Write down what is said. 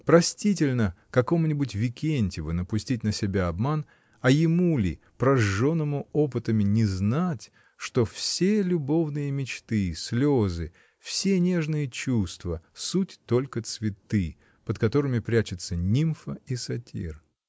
Простительно какому-нибудь Викентьеву напустить на себя обман, а ему ли, прожженному опытами, не знать, что все любовные мечты, слезы, все нежные чувства — суть только цветы, под которыми прячутся нимфа и сатир?.